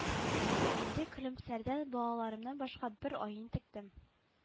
Инде көлемсәрдән балаларымнан башка бер ай интектем